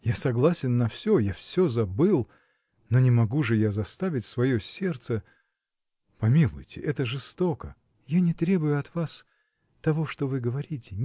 Я согласен на все, я все забыл; но не могу же я заставить свое сердце. Помилуйте, это жестоко! -- Я не требую от вас. того, что вы говорите